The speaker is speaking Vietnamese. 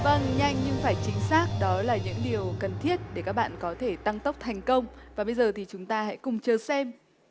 vâng nhanh nhưng phải chính xác đó là những điều cần thiết để các bạn có thể tăng tốc thành công và bây giờ thì chúng ta hãy cùng chờ xem